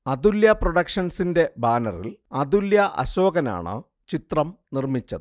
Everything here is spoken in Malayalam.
അതുല്യ പ്രൊഡക്ഷൻസിന്റെ ബാനറിൽ അതുല്യ അശോകാണ് ചിത്രം നിർമ്മിച്ചത്